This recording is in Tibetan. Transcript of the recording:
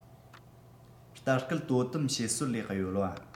ལྟ སྐུལ དོ དམ བྱེད སྲོལ ལས གཡོལ བ